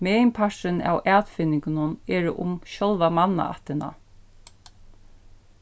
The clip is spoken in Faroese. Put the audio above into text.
meginparturin av atfinningunum eru um sjálva mannaættina